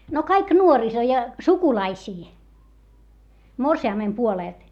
no kaikki nuoriso ja sukulaisia morsiamen puolelta